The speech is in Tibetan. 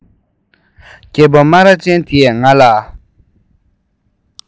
རྒད པོ སྨ ར ཅན དེས ང ལ